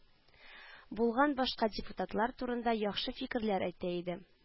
Булган башка депутатлар турында яхшы фикерләр әйтә иде